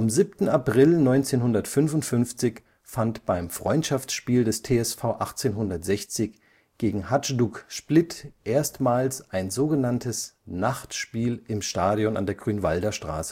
7. April 1955 fand beim Freundschaftsspiel des TSV 1860 gegen Hajduk Split erstmals ein so genanntes Nachtspiel im Stadion an der Grünwalder Straße